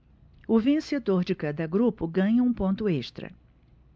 o vencedor de cada grupo ganha um ponto extra